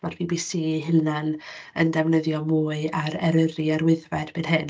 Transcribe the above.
Mae'r BBC eu hunain yn defnyddio mwy ar Eryri a'r Wyddfa erbyn hyn.